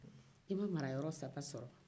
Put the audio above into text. i bɛ o marayɔrɔ saba sɔro